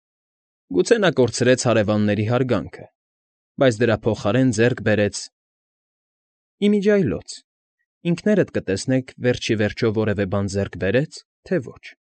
Գուցե նա կորցրեց հարևանների հարգանքը, բայց դրա փոխարեն ձեռք բերեց… ի միջի այլոց, ինքներդ կտեսնեք, վերջ ի վերջո որևէ բան ձեռք բերե՞ց, թե ոչ։